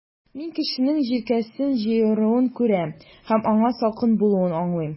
Мин кешенең җилкәсен җыеруын күрәм, һәм аңа салкын булуын аңлыйм.